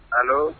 Ɔwɔ